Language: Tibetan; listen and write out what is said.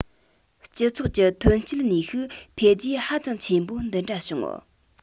སྤྱི ཚོགས ཀྱི ཐོན སྐྱེད ནུས ཤུགས འཕེལ རྒྱས ཧ ཅང ཆེན པོ འདི འདྲ བྱུང